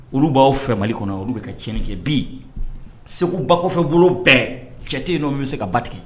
Olu b'aw fɛ mali kɔnɔ olu bɛ kɛ cɛnɲɛn kɛ bi segu bakɔfɛ bolo bɛɛ cɛ tɛ yen n' bɛ se ka ba tigɛ